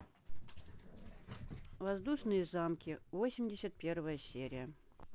воздушные замки восемьдесят первая серия